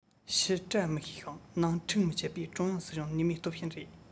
ཕྱི བཀྲ མི ཤིས ཤིང ནང འཁྲུག མི ཆད པས ཀྲུང དབྱང སྲིད གཞུང ནུས མེད སྟོབས ཞན རེད